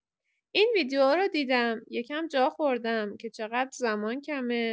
این ویدیو رو دیدم، یکم جا خوردم که چقدر زمان کمه.